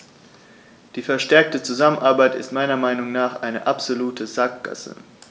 Die verstärkte Zusammenarbeit ist meiner Meinung nach eine absolute Sackgasse.